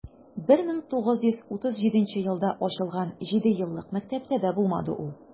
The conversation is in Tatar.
1937 елда ачылган җидееллык мәктәптә дә булмады ул.